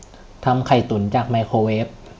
ทำไข่ตุ๋นจากไมโครเวฟ